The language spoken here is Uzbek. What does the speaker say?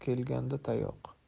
kunda kelganga tayoq